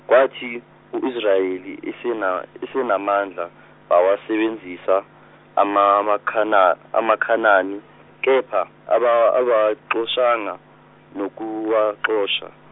kwathi u Israyeli esena- esenamandla bawasebenzisa, ama- amaKhana- amaKhanani, kepha aba- abawaxoshanga, nokuwaxosha.